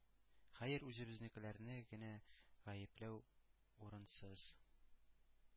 Хәер, үзебезнекеләрне генә гаепләү урынсыз,